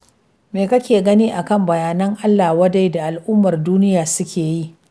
Mai kake gani akan bayanan Allah wadai da al’ummar duniya suke yi?